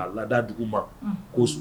A kaa lada dugu ma